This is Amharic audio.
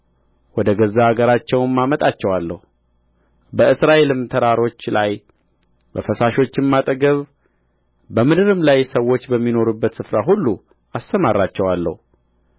ወደ ገዛ አገራቸውም አመጣቸዋለሁ በእስራኤልም ተራሮች ላይ በፈሳሾችም አጠገብ በምድርም ላይ ሰዎች በሚኖሩበት ስፍራ ሁሉ አሰማራቸዋለሁ